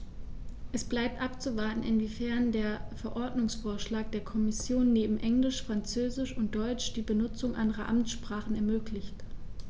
Es bleibt abzuwarten, inwiefern der Verordnungsvorschlag der Kommission neben Englisch, Französisch und Deutsch die Benutzung anderer Amtssprachen ermöglicht.